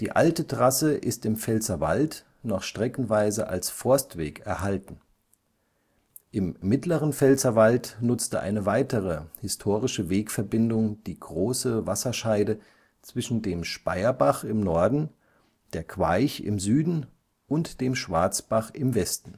alte Trasse ist im Pfälzerwald noch streckenweise als Forstweg erhalten. Im mittleren Pfälzerwald nutzte eine weitere historische Wegverbindung die große Wasserscheide zwischen dem Speyerbach im Norden, der Queich im Süden und dem Schwarzbach im Westen